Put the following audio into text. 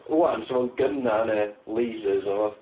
'Wan 'sa fo'n gynnau neu lasers neu wbath.